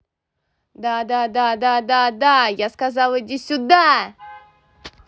да да да да да да я сказал иди сюда